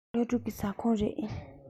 ཕ གི སློབ ཕྲུག གི ཟ ཁང རེད